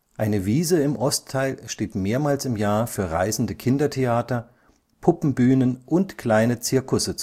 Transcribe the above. Eine Wiese im Ostteil steht mehrmals im Jahr für reisende Kindertheater, Puppenbühnen und kleine Zirkusse